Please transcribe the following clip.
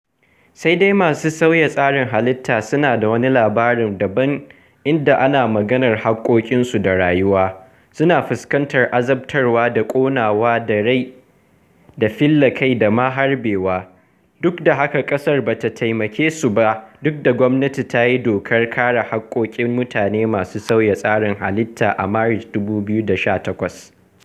Sai dai masu sauya tsarin halitta suna da wani labarin daban idan ana maganar haƙƙoƙinsu da rayuwa; suna fuskantar azabtarwa da fyaɗe da ƙonawa da rai da fille kai da ma harbewa, duk da haka ƙasar ba ta taimake su ba duk da gwamnati ta yi Dokar (Kare Haƙƙoƙin) Mutane masu Sauya Tsarin Halitta a Maris, 2018.